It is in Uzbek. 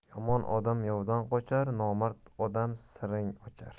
yomon odam yovdan qochar nomard odam siring ochar